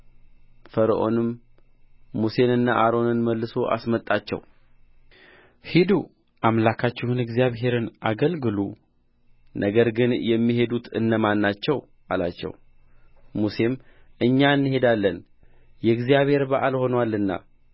ፈርዖንም ሙሴንና አሮንን መልሶ አስመጣቸው ሂዱ አምላካችሁን እግዚአብሔርን አገልግሉ ነገር ግን የሚሄዱት እነማን ናቸው አላቸው ሙሴም እኛ እንሄዳለን የእግዚአብሔር በዓል ሆኖልናልና